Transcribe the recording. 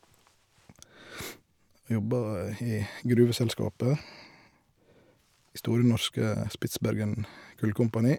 Jobba i gruveselskapet, i Store Norske Spitsbergen Kulkompani.